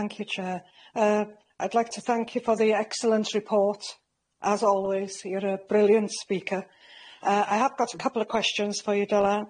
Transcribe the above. Thank you chair yy I'd like to thank you for the excellent report, as always you're a brilliant speaker. Uh I have got a couple of questions for you Dylan.